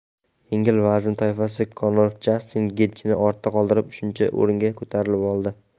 yengil vazn toifasida konor jastin getjini ortda qoldirib uchinchi o'ringa ko'tarilib oldi